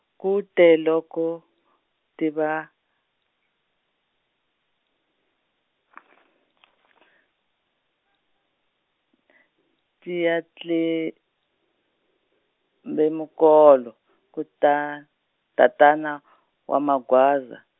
kute loko, ti va , ti hatle le mikolo, kuta, tatana , wa Magwaza.